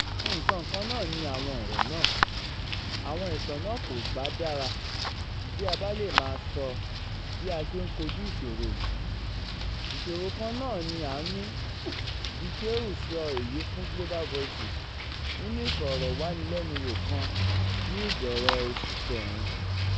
Nǹkan kan náà ni àwọn ọ̀rọ̀ náà, àwọn ìtàn náà kò bá dára bí a bá lè máa sọ bí a ṣe ń kojú ìṣòro yìí; ìṣòro kan náà ni a ní,” Gicheru sọ èyí fún Global Voices nínú Ìfọ̀rọ̀wánilẹ́nuwò kan ní ìbẹ̀rẹ̀ oṣù kẹrin.